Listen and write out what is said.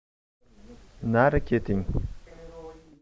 nari keting